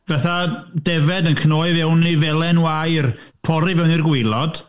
Fatha defaid yn cnoi fewn i felen wair, pori fewn i'r gwaelod...